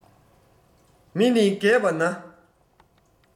མི ནི རྒས པ ན